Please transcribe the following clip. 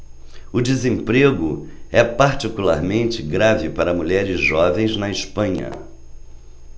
o desemprego é particularmente grave para mulheres jovens na espanha